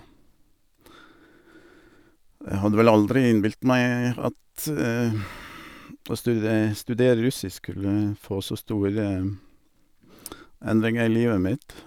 Jeg hadde vel aldri innbilt meg at å stude studere russisk skulle få så store endringer i livet mitt.